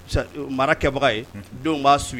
Mara kɛbaga ye, denw b'a suit